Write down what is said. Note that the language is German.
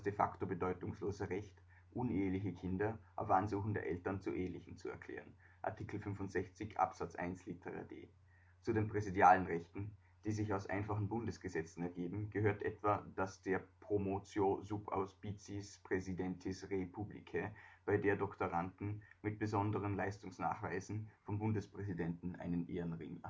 facto bedeutungslose Recht uneheliche Kinder auf Ansuchen der Eltern zu ehelichen zu erklären (Art. 65 Abs 1 lit d). Zu den präsidialen Rechten, die sich aus einfachen Bundesgesetzen ergeben, gehört etwa das der „ Promotio sub auspiciis Praesidentis rei publicae “bei der Doktoranden mit besonderen Leistungsnachweisen vom Bundespräsidenten einen Ehrenring